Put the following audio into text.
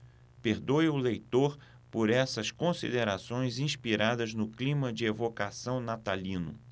perdoe o leitor por essas considerações inspiradas no clima de evocação natalino